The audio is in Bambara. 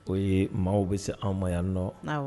O ye maaw bɛ se anw ma yan nɔ